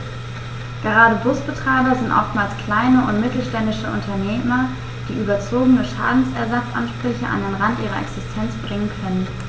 Gerade Busbetreiber sind oftmals kleine und mittelständische Unternehmer, die überzogene Schadensersatzansprüche an den Rand ihrer Existenz bringen können.